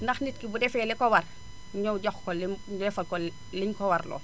ndax nit ki bu defee li ko war ñëw jox ko li mu ñu defal ko li li ñu ko warloo